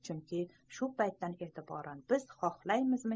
chunki shu paytdan etiboran biz xohlaymizmi